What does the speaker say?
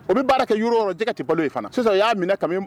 O bɛ baara kɛ yɔrɔ jɛgɛgɛ ka tɛ balo in fana sisan y'a minɛ